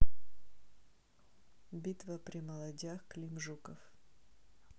битва при молодях клим жуков